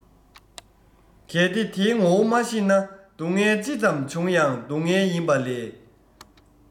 གལ ཏེ དེའི ངོ བོ མ ཤེས ན སྡུག བསྔལ ཅི ཙམ འབྱུང ཡང སྡུག བསྔལ ཡིན པ ལས